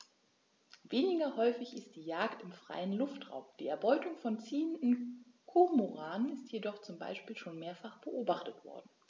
Weniger häufig ist die Jagd im freien Luftraum; die Erbeutung von ziehenden Kormoranen ist jedoch zum Beispiel schon mehrfach beobachtet worden.